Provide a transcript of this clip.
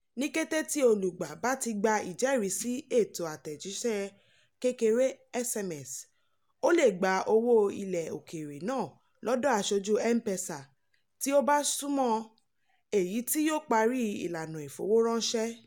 Ní kété tí olùgbà bá ti gba ìjẹ́rìsíí ètò àtẹ̀jíṣẹ́ kékeré (SMS), ó le gba owó ilẹ̀ òkèèrè náà lọ́dọ̀ aṣojú M-Pesa tí ó bá súnmọ́n-ọn, èyí tí yóò parí ìlànà ìfowóráńṣẹ́.